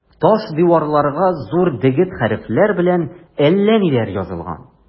Таш диварларга зур дегет хәрефләр белән әллә ниләр язылган.